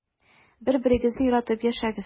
Бер-берегезне яратып яшәгез.